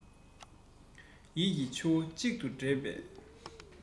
ཡིད ཀྱི ཆུ བོ གཅིག ཏུ འདྲེས པའི